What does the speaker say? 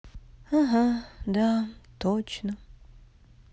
ага да точно